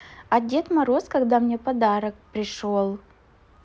а дед мороз когда мне подарок пришел